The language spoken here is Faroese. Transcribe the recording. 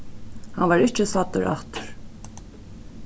hann varð ikki sæddur aftur